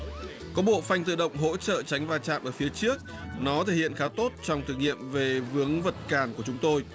có bộ phanh tự động hỗ trợ tránh va chạm ở phía trước nó thể hiện khá tốt trong thực nghiệm về vướng vật cản của chúng tôi